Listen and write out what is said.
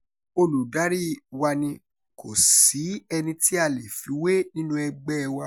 Olùdaríi wa ni, kò sí eni tí a lè fi wé e nínú ẹgbẹ́ẹ wa.